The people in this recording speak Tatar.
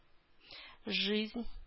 Жизнь